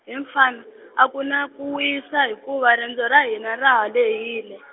he mfana, a ku na ku wisa hikuva rendzo ra hina ra ha lehile .